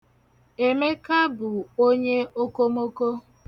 Emeka bụ onye okomoko.